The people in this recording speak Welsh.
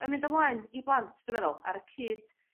yn mynd ymlaen i blant dwi meddwl ar y cyd